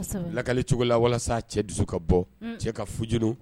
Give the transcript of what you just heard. Lakali cogo la walasa cɛ dusu ka bɔ cɛ ka fuj